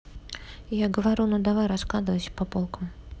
я говорю ну давай раскладывайся по полкам